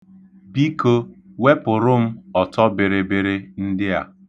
Biko, wepụrụ m ọtọbịrịbịrị ndị a.